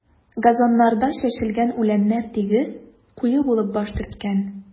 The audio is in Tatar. Газоннарда чәчелгән үләннәр тигез, куе булып баш төрткән.